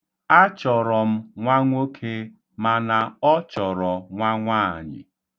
Achọrọ m nwa nwoke, mana ọ chọrọ nwa nwaanyị.